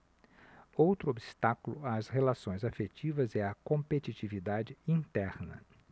outro obstáculo às relações afetivas é a competitividade interna